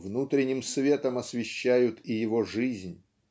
внутренним светом освещают и его жизнь.